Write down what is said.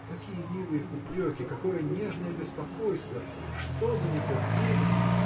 Какие милые упреки, какое нежное беспокойство! что за нетерпение!